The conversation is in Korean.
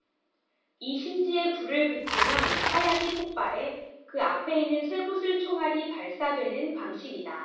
이 심지에 불을 붙이면 화약이 폭발해 그 앞에 있는 쇠구슬 총알이 발사되는 방식이다